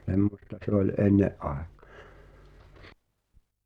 semmoista se oli ennen aikaan